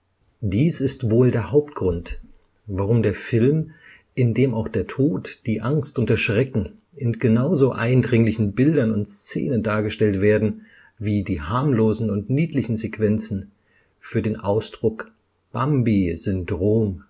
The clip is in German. Dies ist wohl der Hauptgrund, warum der Film (in dem auch der Tod, die Angst und der Schrecken in genauso eindringlichen Bildern und Szenen dargestellt werden wie die harmlosen und niedlichen Sequenzen) für den Ausdruck Bambi-Syndrom